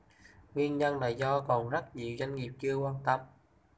nguyên nhân là do còn rất nhiều doanh nghiệp chưa quan tâm